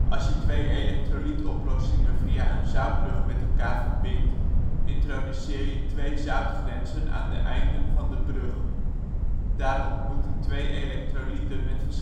Als je twee elektrolietoplossingen via een zoutbrug met elkaar verbindt, introduceer je twee zoutgrenzen aan de einden van de brug. Daar ontmoeten twee elektrolieten met